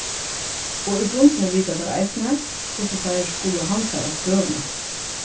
og í grundini vita teir eisini hvussu teir skulu handfara støðuna